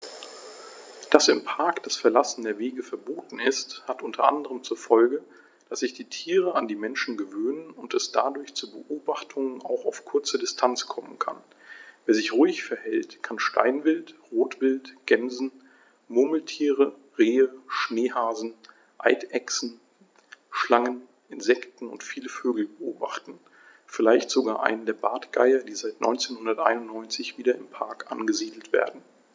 Dass im Park das Verlassen der Wege verboten ist, hat unter anderem zur Folge, dass sich die Tiere an die Menschen gewöhnen und es dadurch zu Beobachtungen auch auf kurze Distanz kommen kann. Wer sich ruhig verhält, kann Steinwild, Rotwild, Gämsen, Murmeltiere, Rehe, Schneehasen, Eidechsen, Schlangen, Insekten und viele Vögel beobachten, vielleicht sogar einen der Bartgeier, die seit 1991 wieder im Park angesiedelt werden.